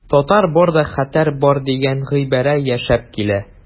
Татар барда хәтәр бар дигән гыйбарә яшәп килә.